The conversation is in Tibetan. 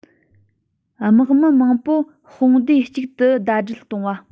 དམག མི མང པོ དཔུང སྡེ གཅིག ཏུ ཟླ སྒྲིལ གཏོང བ